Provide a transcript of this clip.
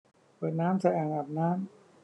เปิดน้ำใส่อ่างอาบน้ำ